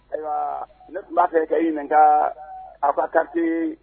Ayiwa ne tuna fɛ ka ɲininka aba kate